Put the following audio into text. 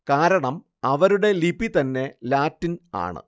കാരണം അവരുടെ ലിപി തന്നെ ലാറ്റിൻ ആണ്